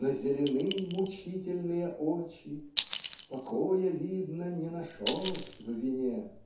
Но зелены мучительные очи Покоя видно не нашел в вине. .